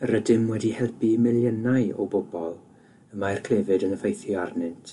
Yr ydym wedi helpu miliynau o bobol y mae'r clefyd yn effeithio arnynt.